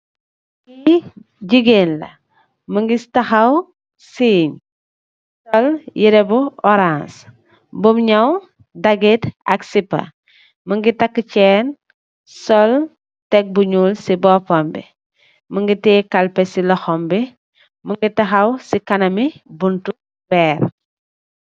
Li gigeen la mungi takhaw singe munge sul yereh bu orange bam nyaw daget ak cipah munge takkuh chain sul tek bu nyul si bopam bi munge teyeh kalpeh si luxhom bi munge si bunti werr